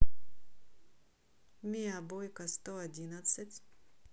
миа бойка сто одиннадцать